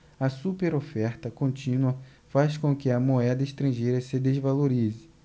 a superoferta contínua faz com que a moeda estrangeira se desvalorize